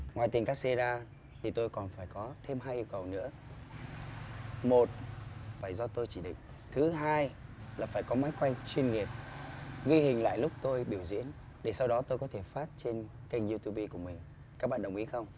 ngoài tiền cát xê ra thì tôi còn phải có thêm hai yêu cầu nữa một phải do tôi chỉ định thứ hai là phải có máy quay chuyên nghiệp ghi hình lại lúc tôi biểu diễn để sau đó tôi có thể phát trên kênh iu tu bi của mình các bạn đồng ý không